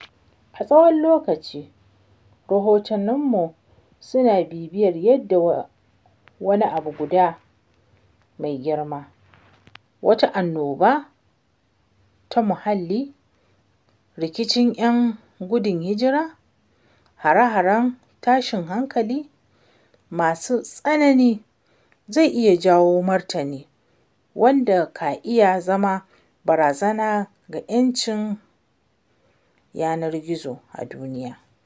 A tsawon lokaci, rahotanninmu suna bibiyar yadda wani abu guda mai girma, wata annoba ta muhalli, rikicin ‘yan gudun hijira, hare-haren tashin hankali masu tsanani zai iya jawo martani wanda ka iya zama barazana ga 'yancin yanar gizo a duniya.